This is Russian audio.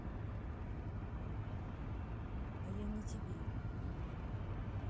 а я не тебе